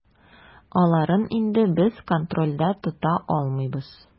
Аларын инде без контрольдә тота алмыйбыз.